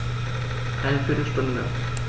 Eine viertel Stunde